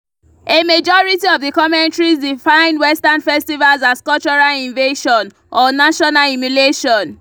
A majority of the commentaries define Western festivals as "cultural invasion" or "national humiliation".